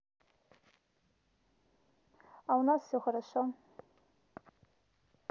а у нас все хорошо